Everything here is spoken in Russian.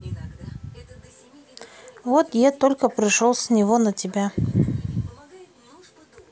вот я только пришел с него на тебя